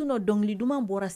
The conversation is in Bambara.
No dɔnkili duman bɔra